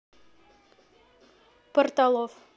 порталов